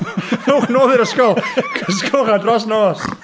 Wnewch y nos i'r ysgol, cysgwch yno dros nos!